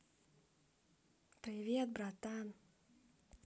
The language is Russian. привет братан